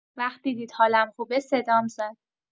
وقتی دید حالم خوبه صدام زد.